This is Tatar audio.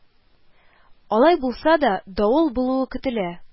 Алай булса да, давыл булуы көтелә